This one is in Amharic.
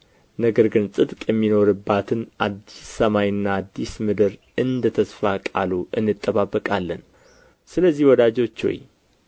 ነገር ግን ጽድቅ የሚኖርባትን አዲስ ሰማይና አዲስ ምድር እንደ ተስፋ ቃሉ እንጠብቃለን ስለዚህ ወዳጆች ሆይ